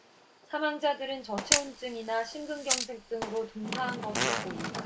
사망자들은 저체온증이나 심근경색 등으로 동사한 것으로 보인다